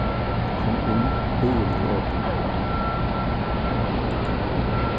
kom inn hurðin er opin